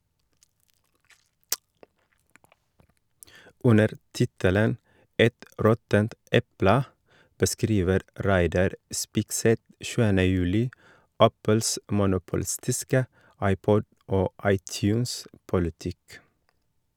Under tittelen «Et råttent eple» beskriver Reidar Spigseth 7. juli Apples monopolistiske iPod- og iTunes- politikk.